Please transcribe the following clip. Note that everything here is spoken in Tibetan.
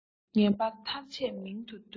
ངན པ ཐ ཆད མིང དུ འདོད